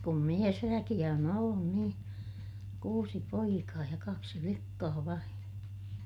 kun miesväkeä on ollut niin kuusi poikaa ja kaksi likkaa vain